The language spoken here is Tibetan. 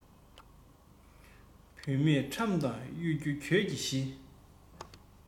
བུད མེད ཁྲམ དང གཡོ སྒྱུ གྱོད ཀྱི གཞི